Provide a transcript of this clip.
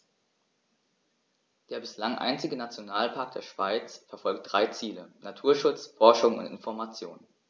Der bislang einzige Nationalpark der Schweiz verfolgt drei Ziele: Naturschutz, Forschung und Information.